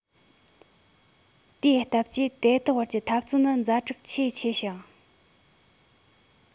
དེའི སྟབས ཀྱིས དེ དག བར གྱི འཐབ རྩོད ནི ཛ དྲག ཆེས ཆེ ཞིང